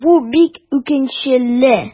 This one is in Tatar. Бу бик үкенечле.